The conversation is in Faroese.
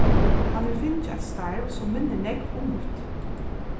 hann hevur fingið eitt starv sum minnir nógv um mítt